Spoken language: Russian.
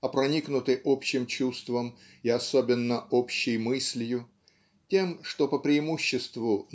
а проникнуты общим чувством и особенно общей мыслью тем что по преимуществу